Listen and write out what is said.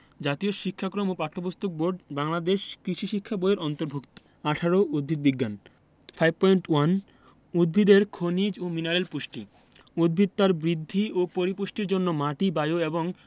জাতীয় শিক্ষাক্রম ও পাঠ্যপুস্তক বোর্ড বাংলাদেশ কৃষি শিক্ষা বই এর অন্তর্ভুক্ত ১৮ উদ্ভিদ বিজ্ঞান 5.1 উদ্ভিদের খনিজ বা মিনারেল পুষ্টি উদ্ভিদ তার বৃদ্ধি ও পরিপুষ্টির জন্য মাটি বায়ু এবং